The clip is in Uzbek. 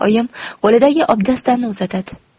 oyim qo'lidagi obdastani uzatadi